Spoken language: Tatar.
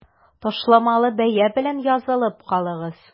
Ташламалы бәя белән язылып калыгыз!